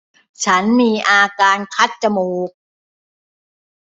ฉันมีอาการคัดจมูก